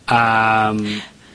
am